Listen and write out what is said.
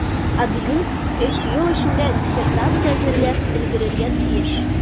Адъюнкт өч ел эчендә диссертация әзерләп өлгерергә тиеш.